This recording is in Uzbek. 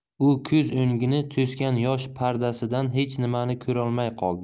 u ko'z o'ngini to'sgan yosh pardasidan hech nimani ko'rolmay qoldi